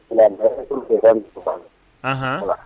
Nka mɛ